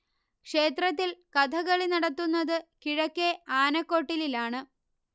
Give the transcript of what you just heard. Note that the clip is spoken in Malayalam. ക്ഷേത്രത്തിൽ കഥകളി നടത്തുന്നത് കിഴക്കേ ആനക്കൊട്ടിലിലാണ്